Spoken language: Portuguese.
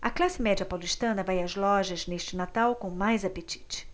a classe média paulistana vai às lojas neste natal com mais apetite